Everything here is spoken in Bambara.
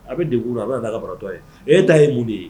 A bɛ dekun na an da katɔ ye e ta ye mun de ye